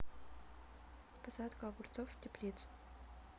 посадка огурцов в теплицу